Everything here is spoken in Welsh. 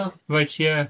A reit ie.